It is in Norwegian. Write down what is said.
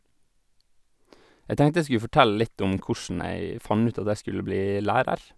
Jeg tenkte jeg skulle fortelle litt om kossen jeg fant ut at jeg skulle bli lærer.